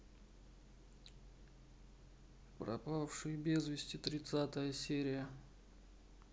пропавший без вести тринадцатая серия